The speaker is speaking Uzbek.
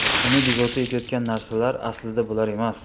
uni bezovta etayotgan narsalar aslida bular emas